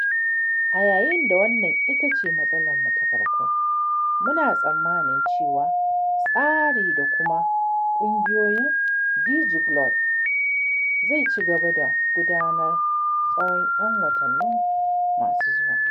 A yayin da wannan ita ce mas'alarmu ta farko, muna tsammanin cewa tsarin da kuma ƙunshiyar DigiGlot zai ci gaba da gudana tsawon 'yan watanni masu zuwa.